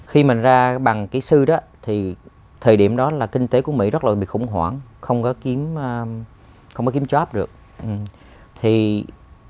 khi mà ra bằng kỹ sư đó thì thời điểm đó là kinh tế của mỹ rất là bị khủng hoảng không có kiếm không có kiếm chóp được thì